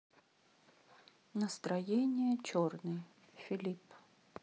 настроения черный филипп